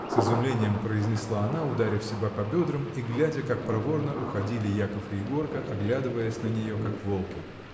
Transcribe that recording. — с изумлением произнесла она, ударив себя по бедрам и глядя, как проворно уходили Яков и Егорка, оглядываясь на нее, как волки.